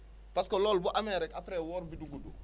parce que loolu bu amee rek après woor bi du gudd